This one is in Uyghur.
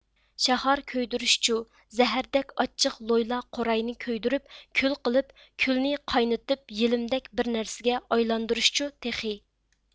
شاخار كۆيدۈرۈشچۇ زەھەردەك ئاچچىق لويلا قوراينى كۆيدۈرۈپ كۈل قىلىپ كۈلنى قاينىتىپ يېلىمدەك بىر نەرسىگە ئايلاندۇرۇشچۇ تېخى